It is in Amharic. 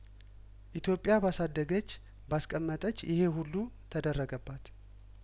ኢትዮጵያ ባሳደገች ባስቀመጠች ይሄ ሁሉ ተደረገባት